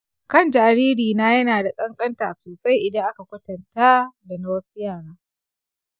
kan jaririna yana da ƙanƙanta sosai idan aka kwatanta da na wasu yara.